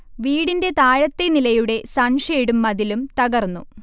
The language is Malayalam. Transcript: വീടിൻെറ താഴത്തെ നിലയുടെ സൺഷേഡും മതിലും തകർന്നു